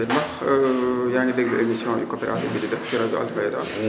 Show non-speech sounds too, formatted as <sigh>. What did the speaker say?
ok ndax <hesitation> yaa ngi dégg émission bi coopérative bi di def ci rajo Alfayda